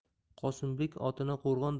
qosimbek otini qo'rg'on